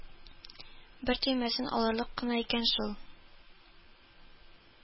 Бер төймәсен алырлык кына икән шул